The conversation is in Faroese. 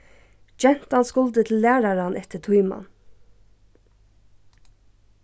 gentan skuldi til læraran eftir tíman